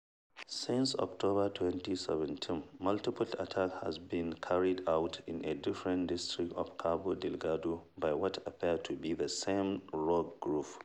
Since October 2017, multiple attacks have been carried out in different districts of Cabo Delgado by what appears to be the same rogue group.